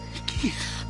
I gyd?